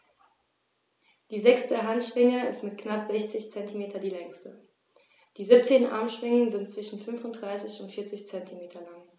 Die sechste Handschwinge ist mit knapp 60 cm die längste. Die 17 Armschwingen sind zwischen 35 und 40 cm lang.